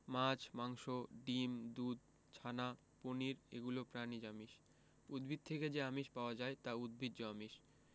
মাছ মাংস ডিম দুধ ছানা পনির এগুলো প্রাণিজ আমিষ উদ্ভিদ থেকে যে আমিষ পাওয়া যায় তা উদ্ভিজ্জ আমিষ